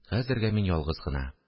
Хәзергә мин ялгыз гына